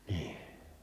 niin